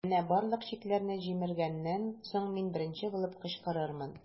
Менә барлык чикләрне җимергәннән соң, мин беренче булып кычкырырмын.